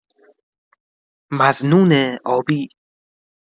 مظنون آبی